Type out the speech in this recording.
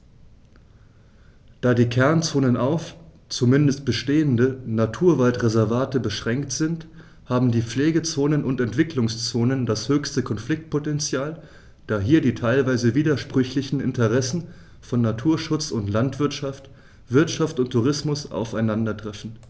Da die Kernzonen auf – zumeist bestehende – Naturwaldreservate beschränkt sind, haben die Pflegezonen und Entwicklungszonen das höchste Konfliktpotential, da hier die teilweise widersprüchlichen Interessen von Naturschutz und Landwirtschaft, Wirtschaft und Tourismus aufeinandertreffen.